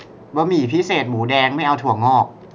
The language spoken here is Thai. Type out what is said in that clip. บะหมี่พิเศษหมูแดงไม่เอาถั่วงอก